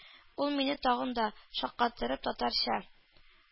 Ул, мине тагын да шаккатырып, татарча: